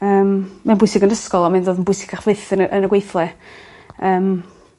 Yym ma'n bwysig yn ysgol on' mae'n ddod yn bwysicach fyth yn y yn y gweithle. Yym.